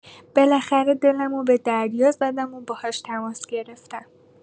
بالاخره دلمو به دریا زدمو باهاش تماس گرفتم.